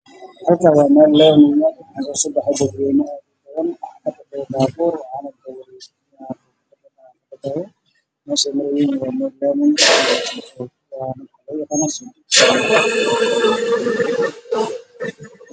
Meeshaan meel waddaa waxaa joogo dad farabadan waxa ay u muuqda nin duq ah oo wata shaati cad